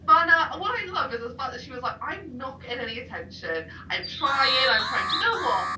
Mae 'na what I love is the fact that she was like "I'm not getting any attention. I'm trying, I'm trying. Do you know what?"